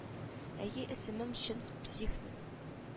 Әйе исемем чын псих мин